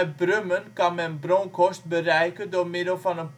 Brummen kan men Bronkhorst bereiken door middel van een